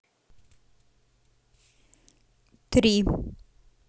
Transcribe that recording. три